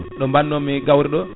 ɗo bannomi gawri ɗo